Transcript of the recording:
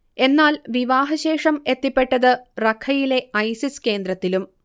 എന്നാൽ, വിവാഹശേഷം എത്തിപ്പെട്ടത് റഖയിലെ ഐസിസ് കേന്ദ്രത്തിലും